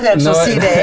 nå.